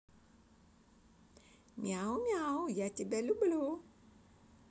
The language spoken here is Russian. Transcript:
мяу мяу я тебя люблю